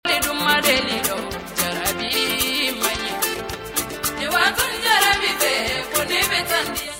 Dendu deli ja main wajɛ minse kunden bɛ